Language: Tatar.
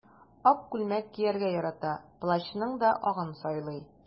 Ак күлмәк кияргә ярата, плащның да агын сайлый.